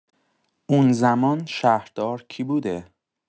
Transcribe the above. اون زمان شهردار کی بوده؟